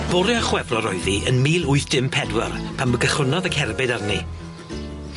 Bore o Chwefror oedd 'i ym mil wyth dim pedwar, pan by- cychwynnodd y cerbyd arni.